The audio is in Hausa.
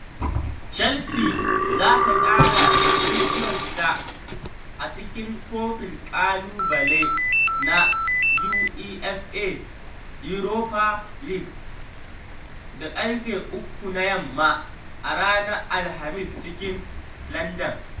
Chelsea za ta kara da Videoton a cikin kofin ƙalubale na UEFA Europa League da ƙarfe 3 na yamma a ranar Alhamis a cikin Landan.